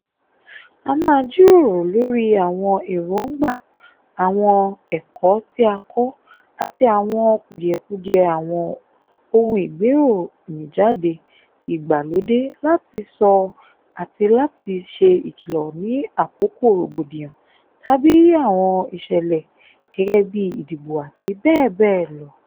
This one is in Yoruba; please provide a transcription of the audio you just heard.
A máa jíròrò lórí àwọn èróńgbà, àwọn ẹ̀kọ́ tí a kọ́ àti àwọn kùdìẹ̀kudiẹ àwọn oun ìgbéròyìnjáde ìgbàlódé láti sọ àti láti ṣe ìkìlọ̀ ní àkókò rògbòdìyàn tàbí àwọn ìṣẹ̀lẹ̀ (gẹ́gẹ́ bíi ìdìbò àti bẹ́ẹ̀ bẹ́ẹ̀ lọ...).